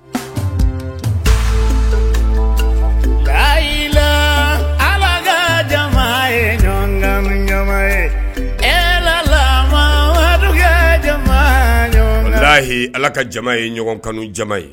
Ala ka jama ye ɲɔgɔn kanu jama ye.